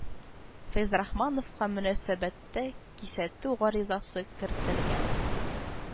Фәйзрахмановка мөнәсәбәттә кисәтү гаризасы кертелгән